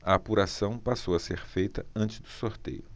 a apuração passou a ser feita antes do sorteio